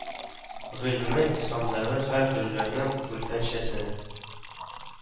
Гыйльме исламдагы һәр гөлләрнең гөнфәнчәсе